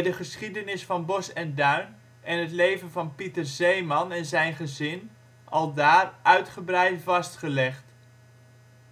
de geschiedenis van Bosch en Duin en het leven van Pieter Zeeman en zijn gezin aldaar uitgebreid vastgelegd.